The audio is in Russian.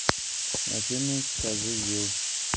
афина скажи зил